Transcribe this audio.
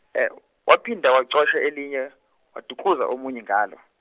waphinda wacosha elinye, wadukluza omunye ngalo.